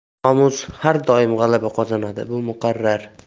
nomus har doim g'alaba qozonadi bu muqarrar